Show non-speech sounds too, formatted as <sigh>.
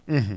<hesitation> <hesitation>